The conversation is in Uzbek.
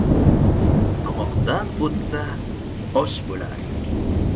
tomoqdan o'tsa osh bo'lar